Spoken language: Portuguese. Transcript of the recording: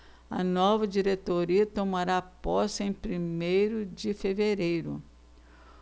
a nova diretoria tomará posse em primeiro de fevereiro